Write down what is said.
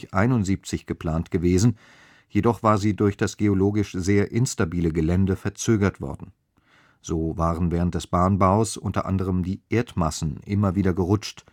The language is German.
1871 geplant gewesen, jedoch war sie durch das geologisch sehr instabile Gelände verzögert worden. So waren während des Bahnbaus unter anderem die Erdmassen immer wieder gerutscht